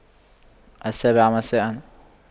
السابعة مساءا